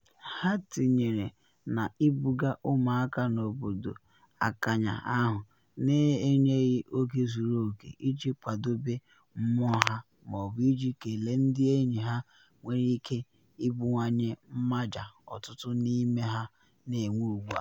Ha tinyere na ibuga ụmụaka n’obodo akanya ahụ na enyeghi oge zuru oke iji kwadobe mmụọ ha ma ọ bụ iji kelee ndị enyi ha nwere ike ibuwanye mmaja ọtụtụ n’ime ha na enwe ugbu a.